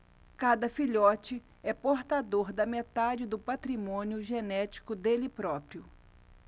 cada filhote é portador da metade do patrimônio genético dele próprio